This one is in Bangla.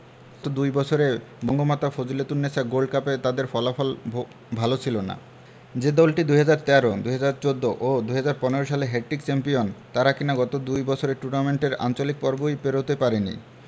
গত দুই বছরে বঙ্গমাতা ফজিলাতুন্নেছা গোল্ড কাপে তাদের ফলাফল ভালো ছিল না যে দলটি ২০১৩ ২০১৪ ও ২০১৫ সালে হ্যাটট্রিক চ্যাম্পিয়ন তারা কিনা গত দুই বছরে টুর্নামেন্টের আঞ্চলিক পর্বই পেরোতে পারেনি